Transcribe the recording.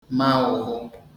ma ụhụ